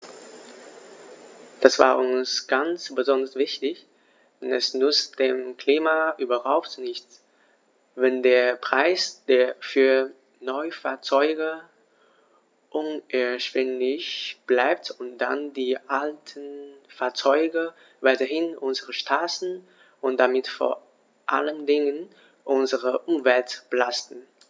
Das war uns ganz besonders wichtig, denn es nützt dem Klima überhaupt nichts, wenn der Preis für Neufahrzeuge unerschwinglich bleibt und dann die alten Fahrzeuge weiterhin unsere Straßen und damit vor allen Dingen unsere Umwelt belasten.